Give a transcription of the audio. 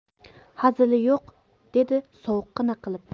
hazili yo'q dedi sovuqqina qilib